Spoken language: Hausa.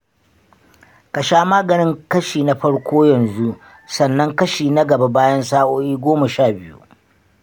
ka sha maganin kashi na farko yanzu, sannan kashi na gaba bayan sa'o'i goma sha biyu.